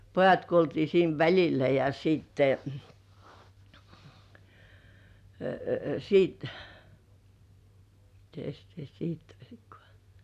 pojat kuoltiin siinä välillä ja sitten sitten mitenkäs sitä sitten olikaan